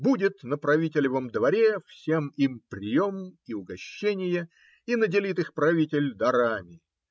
Будет на правителевом дворе всем им прием и угощение, и наделит их правитель дарами.